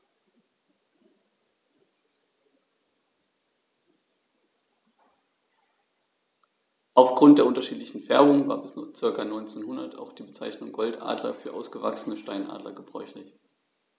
Auf Grund der unterschiedlichen Färbung war bis ca. 1900 auch die Bezeichnung Goldadler für ausgewachsene Steinadler gebräuchlich.